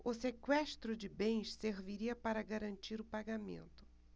o sequestro de bens serviria para garantir o pagamento